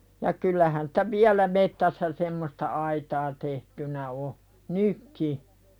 ja kyllähän sitä vielä metsässä semmoista aitaa tehtynä on nytkin